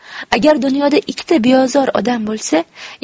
agar dunyoda ikkita beozor odam bo'lsa